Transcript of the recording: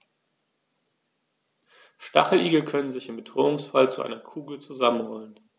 Stacheligel können sich im Bedrohungsfall zu einer Kugel zusammenrollen.